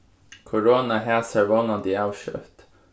korona hæsar vónandi av skjótt